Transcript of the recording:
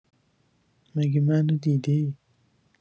مگه منو دیدی